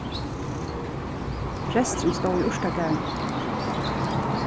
presturin stóð í urtagarðinum